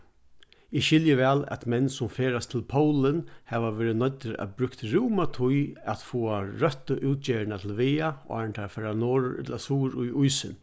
eg skilji væl at menn sum ferðast til pólin hava verið noyddir at brúkt rúma tíð at fáa røttu útgerðina til vega áðrenn teir fara norður ella suður í ísin